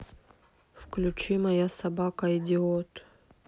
включи моя собака идиот